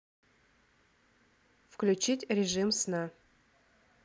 включить режим сна